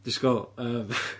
Disgwyl. Yym ...